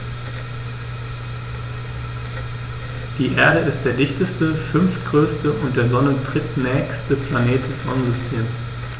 Die Erde ist der dichteste, fünftgrößte und der Sonne drittnächste Planet des Sonnensystems.